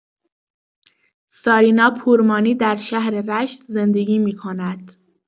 سارینا پورمانی در شهر رشت زندگی می‌کند.